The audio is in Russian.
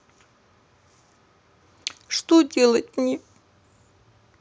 что делать мне